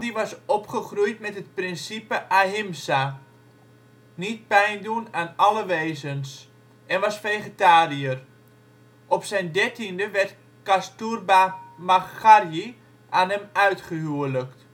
was opgegroeid met het principe ahimsa (niet pijn doen aan alle wezens) en was vegetariër. Op zijn dertiende werd Kasturba Makharji aan hem uitgehuwelijkt